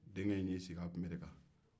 denkɛ in y'i sigi i kunbere kan